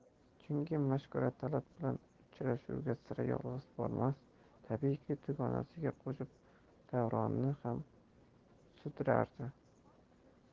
chunki mashkura talat bilan uchrashuvga sira yolg'iz bormas tabiiyki dugonasiga qo'shib davronni ham sudrardi